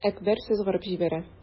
Әкбәр сызгырып җибәрә.